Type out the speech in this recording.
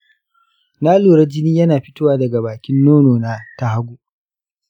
na lura jini yana fitowa daga bakin nono na ta hagu.